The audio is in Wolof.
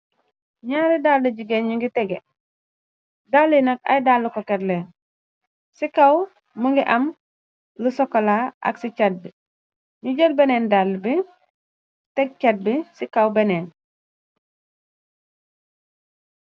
Naari dall jigéen ñu ngi tege. Dall yi nak ay dàll ko katleer ci kaw mu ngi am lu sokolaa ak ci cat bi ñu jër beneen dal teg chat bi ci kaw beneen.